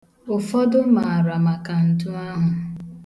Ụfọdụ maara maka ndu ahụ.